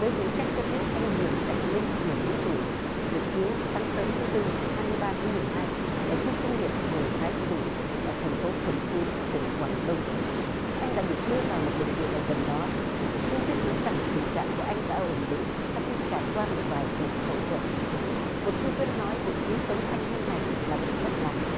giới hữu trách cho biết anh điền trạch minh mười chín tuổi được cứu sáng sớm thứ tư hai mươi ba tháng mười hai tại khu công nghiệp hằng thái dụ ở thành phố thẩm quyến của tỉnh quảng đông anh đã được đưa vào một bệnh viện ở gần đó tin tức nói rằng tình trạng của anh đã ổn định sau khi trải qua một vài cuộc phẫu thuật một cư dân nói vụ cứu sống thanh niên này là một phép lạ